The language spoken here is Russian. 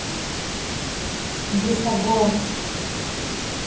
бесогон